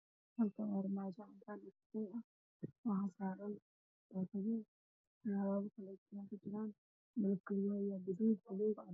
Waa subarmaarke waxaa ii muuqdo kartoomo ay ku jiraan buskud oo meesha saaran